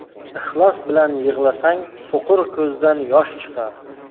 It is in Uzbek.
ixlos bilan yig'lasang so'qir ko'zdan yosh chiqar